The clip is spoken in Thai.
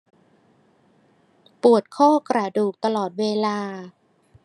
ปวดข้อกระดูกตลอดเวลา